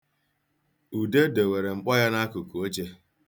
Ude dowere mkpọ ya n'akụkụ oche.